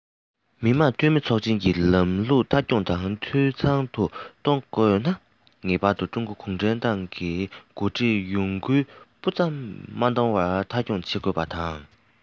མི དམངས འཐུས མི ཚོགས ཆེན གྱི ལམ ལུགས མཐའ འཁྱོངས དང འཐུས ཚང དུ གཏོང དགོས ན ངེས པར དུ ཀྲུང གོ གུང ཁྲན ཏང གི འགོ ཁྲིད གཡོ འགུལ སྤུ ཙམ མི གཏོང བར མཐའ འཁྱོངས བྱེད དགོས པ དང